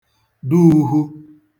duūhū